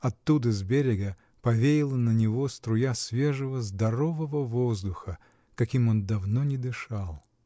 Оттуда, с берега, повеяла на него струя свежего, здорового воздуха, каким он давно не дышал.